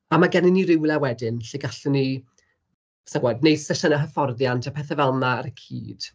A mae gennyn ni rywle wedyn lle gallwn ni, sa i'n gwbod, qneud sesiynau hyfforddiant a pethe fel 'na ar y cyd.